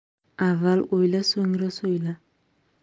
avval o'yla so'ngra so'yla